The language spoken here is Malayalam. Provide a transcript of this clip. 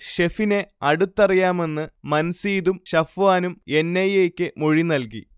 ഷെഫിനെ അടുത്തറിയാമെന്ന് മൻസീദും ഷഫ്വാനും എൻ. ഐ. എ. യ്ക്ക് മൊഴി നൽകി